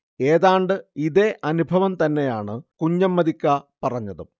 ഏതാണ്ട് ഇതേ അനുഭവം തന്നെയാണ് കുഞ്ഞമ്മദിക്ക പറഞ്ഞതും